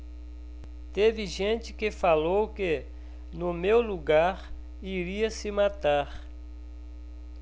teve gente que falou que no meu lugar iria se matar